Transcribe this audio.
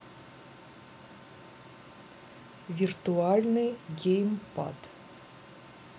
виртуальный геймпад